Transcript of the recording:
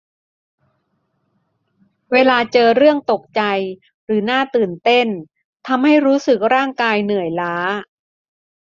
เวลาเจอเรื่องตกใจหรือน่าตื่นเต้นทำให้รู้สึกร่างกายเหนื่อยล้า